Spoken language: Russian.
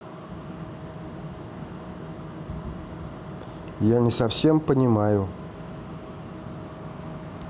я не совсем понимаю